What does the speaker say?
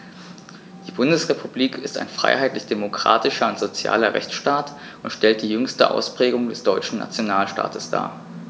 Die Bundesrepublik ist ein freiheitlich-demokratischer und sozialer Rechtsstaat[9] und stellt die jüngste Ausprägung des deutschen Nationalstaates dar.